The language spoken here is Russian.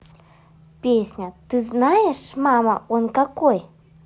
песня ты знаешь мама он какой